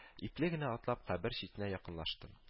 Ипле генә атлап кабер читенә якынлаштым